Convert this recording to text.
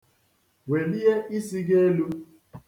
Welie isi gị elu.